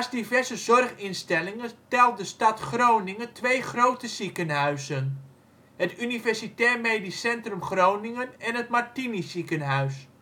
diverse zorginstellingen telt de stad Groningen twee grote ziekenhuizen: het Universitair Medisch Centrum Groningen en het Martini Ziekenhuis